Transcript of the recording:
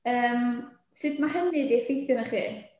Yym, sut ma' hynny 'di effeithio arnoch chi?